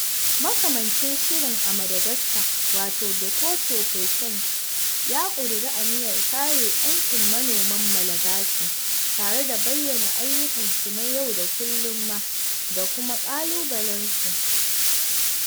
Makamancin shirin a Madagascar, wato Bekoto Paysans ya ƙudiri aniyar kare 'yancin manoman Malagasy tare da bayyana ayyukansu na yau da kulluma da kuma ƙalubalensu (fr).